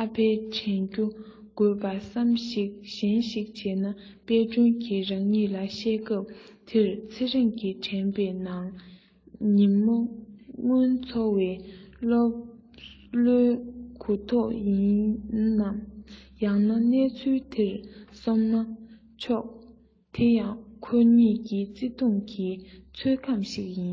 ཨ ཕའི དྲན རྒྱུ དགོས པ བསམ གཞིག གཞན ཞིག བྱས ན དཔལ སྒྲོན གྱི རང ཉིད ལ བཤད སྐབས དེར ཚེ རིང གི དྲན པའི ནང ཉིན མོ སྔོན འཚོ བའི བསམ བློའི གུ དོག ཡིན ནམ ཡང ན གནས ཚུལ དེར སོམ ན ཕྱོགས དེ ཡང ཁོ གཉིས ཀྱི བརྩེ དུང གི ཚོད གམ ཞིག ཡིན